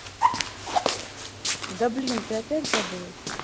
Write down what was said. да блин ты опять забыл